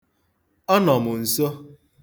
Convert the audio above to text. Ọ nọ m nso.